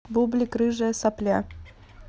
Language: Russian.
бублик рыжая сопля